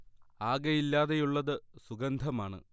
ആകെ ഇല്ലാതെയുള്ളത് സുഗന്ധമാണ്